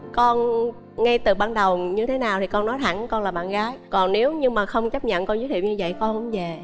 con ngay từ ban đầu như thế nào thì con nói thẳng con là bạn gái còn nếu như mà không chấp nhận con giới thiệut như vậy con không về